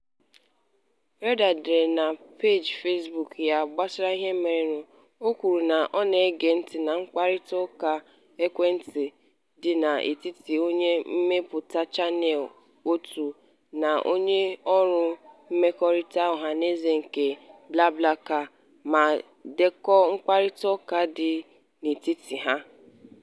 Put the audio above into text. Reyder dere na peeji Facebook ya gbasara ihe merenụ. O kwuru na ọ na-ege ntị na mkparịtaụka ekwentị dị n'etiti onye mmepụta Channel One na onyeọrụ mmekọrịta ọhanaeze nke BlaBlaCar ma dekọọ mkparịtaụka dị n'etiti ha: